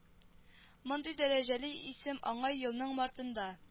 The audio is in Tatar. Мондый дәрәҗәле исем аңа елның мартында